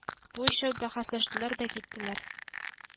Галиябану, еларга җитешеп, башын иде.